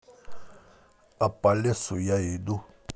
а по лесу я иду